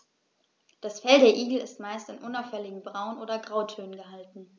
Das Fell der Igel ist meist in unauffälligen Braun- oder Grautönen gehalten.